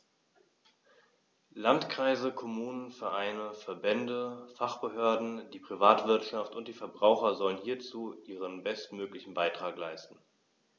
Landkreise, Kommunen, Vereine, Verbände, Fachbehörden, die Privatwirtschaft und die Verbraucher sollen hierzu ihren bestmöglichen Beitrag leisten.